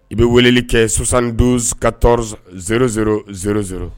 I bɛ weleli kɛ sonsan don ka tɔw000z